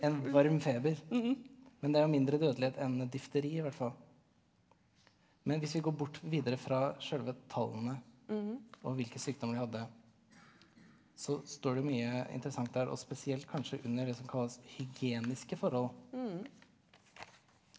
en varm feber, men det er jo mindre dødelighet enn difteri i hvert fall, men hvis vi går bort videre fra sjølve tallene og hvilke sykdommer de hadde så står det mye interessant der og spesielt kanskje under det som kalles hygieniske forhold.